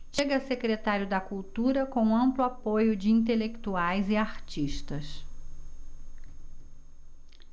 chega a secretário da cultura com amplo apoio de intelectuais e artistas